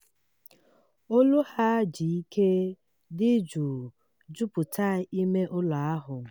Olu ha ji ike dị jụụ jupụta ime ụlọ ahụ.